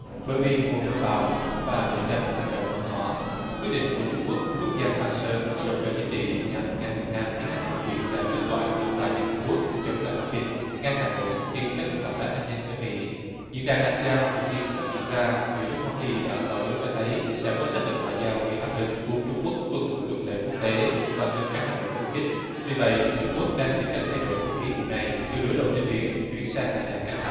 bởi vì mùa mưa bão và để tránh một hành động mở ngỏ quyết định của trung quốc rút giàn khoan sớm có động cơ chính trị nhằm ngăn việt nam tiến hành vụ kiện ra trước tòa án trọng tài liên hiệp quốc chống lại bắc kinh ngăn hà nội xúc tiến các bước hợp tác an ninh với mỹ diễn đàn a si an thường niên sắp diễn ra giữa lúc hoa kỳ đã tỏ dấu cho thấy sẽ có sách lược ngoại giao gây áp lực buộc trung quốc tuân thủ luật lệ quốc tế và ngưng các hành động khiêu khích vì vậy trung quốc đang tìm cách thay đổi không khí vụ này từ đối đầu trên biển chuyển sang hạ giảm căng thẳng